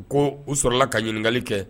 U ko u sɔrɔla ka ɲininkali kɛ